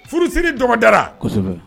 Furusi dɔgɔdara